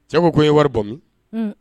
Cɛ ko ye wari bɔ min